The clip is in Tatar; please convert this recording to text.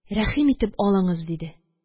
Рәхим итеп алыңыз, – диде.